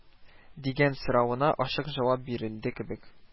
» дигән соравына ачык җавап бирелде кебек